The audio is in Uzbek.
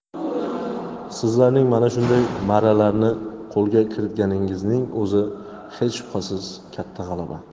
sizlarning mana shunday marralarni qo'lga kiritganingizning o'zi hech shubhasiz katta g'alaba